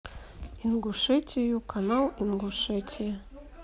ингушетию канал ингушетия